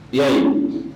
I y'a ye